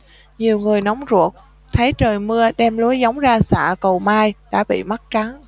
nhiều người nóng ruột thấy trời mưa đem lúa giống ra sạ cầu may đã bị mất trắng